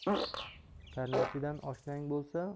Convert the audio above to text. karnaychidan oshnang bo'lsa